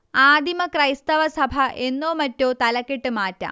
ആദിമ ക്രൈസ്തവ സഭ എന്നോ മറ്റോ തലക്കെട്ട് മാറ്റാം